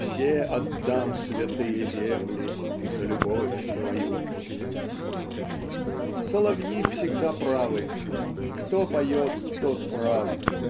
Все отдам Святые Земли За любовь твою?. Соловьи всегда правы. Кто поет, тот прав.